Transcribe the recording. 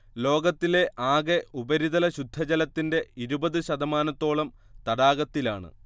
ലോകത്തിലെ ആകെ ഉപരിതല ശുദ്ധജലത്തിന്റെ ഇരുപത് ശതമാനത്തോളം തടാകത്തിലാണ്